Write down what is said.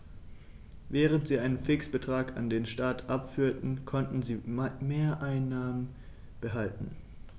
Während sie einen Fixbetrag an den Staat abführten, konnten sie Mehreinnahmen behalten.